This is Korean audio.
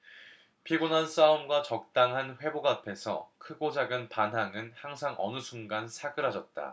피곤한 싸움과 적당한 회복 앞에서 크고 작은 반항은 항상 어느 순간 사그라졌다